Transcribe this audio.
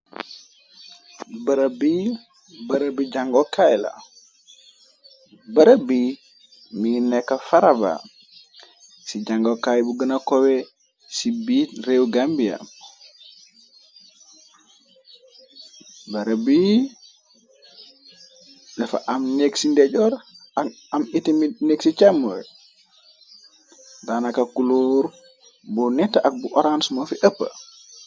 Brbarab bi mi nekk farava ci jangokaay bu gëna kowe ci bit réew gambia barab bi dafa am nek ci ndejoor am itimi nekk ci càmmooy daana ka kuluor bu nett ak bu horance mo fi ëpp.